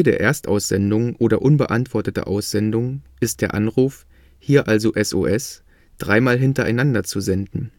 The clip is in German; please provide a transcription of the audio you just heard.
Erstaussendung oder unbeantwortete Aussendung ist der Anruf – hier also SOS – dreimal hintereinander zu senden